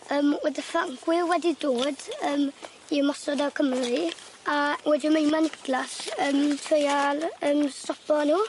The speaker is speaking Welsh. Yym wed y Ffrancwyr wedi dod yym i ymosod ar Cymru a wed Jemima Nicholas yn treial yym stopo nw.